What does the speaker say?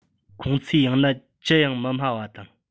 ཁོང ཚོས ཡང ན ཅི ཡང མི སྨྲ བ དང